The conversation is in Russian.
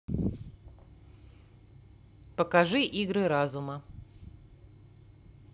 покажи игры разума